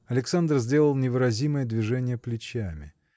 Александр сделал невыразимое движение плечами.